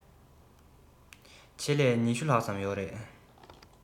ཆེད ལས ༢༠ ལྷག ཙམ ཡོད རེད